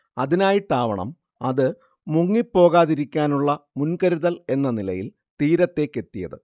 അതിനായിട്ടാവണം അത് മുങ്ങിപ്പോകാതിരിക്കാനുള്ള മുൻകരുതൽ എന്ന നിലയിൽ തീരത്തേക്കെത്തിയത്